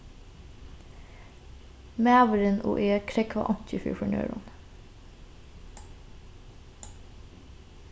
maðurin og eg krógva einki fyri hvørjum øðrum